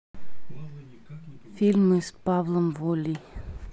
фильмы с павлом волей